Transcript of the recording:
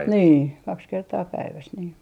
niin kaksi kertaa päivässä niin